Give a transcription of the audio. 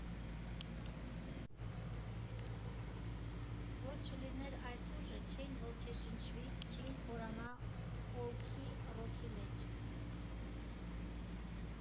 Որ չլիներ այս ուժը, չէին ոգեշնչվի, չէին խորանա ֆոլքի, ռոքի մեջ։